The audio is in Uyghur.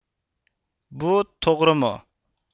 بۇ توغرىمۇ